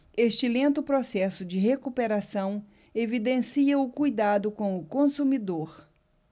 este lento processo de recuperação evidencia o cuidado com o consumidor